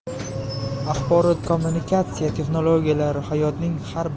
axborot kommunikatsiya texnologiyalari hayotning har